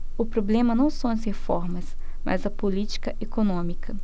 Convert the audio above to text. o problema não são as reformas mas a política econômica